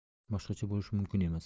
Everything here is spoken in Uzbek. boshqacha bo'lishi mumkin emas